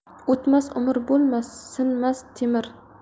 o'tmas umr bo'lmas sinmas temir